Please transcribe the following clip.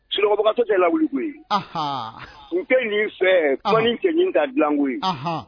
Subatɔ tɛ lawu koyi ye tun nin fɛ fɛn ka nin ka dilako ye